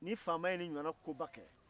ni faama ye ni ɲɔgɔn na ko ba kɛ